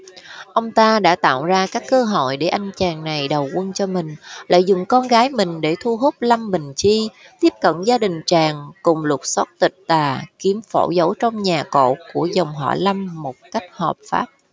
ông ta đã tạo ra các cơ hội để anh chàng này đầu quân cho mình lại dùng con gái mình để thu hút lâm bình chi tiếp cận gia đình chàng cùng lục soát tịch tà kiếm phổ giấu trong nhà cổ của dòng họ lâm một cách hợp pháp